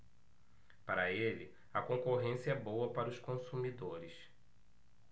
para ele a concorrência é boa para os consumidores